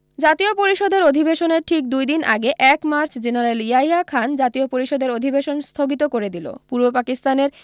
জাতীয় পরিষদের অধিবেশনের ঠিক দুই দিন আগে ১ মার্চ জেনারেল ইয়াহিয়া খান জাতীয় পরিষদের অধিবেশন স্থগিত করে দিল পূর্ব পাকিস্তানের